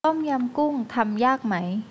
ต้มยำกุ้งทำยากไหม